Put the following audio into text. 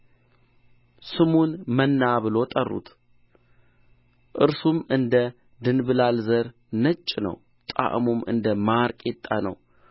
ስሙን መና ብለው ጠሩት እርሱም እንደ ድንብላል ዘር ነጭ ነው ጣዕሙም እንደ ማር ቂጣ ነው